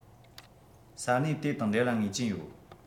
ས གནས དེ དང འབྲེལ བ ངེས ཅན ཡོད